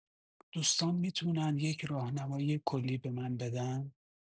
دوستان می‌تونن یک راهنمایی کلی به من بدن؟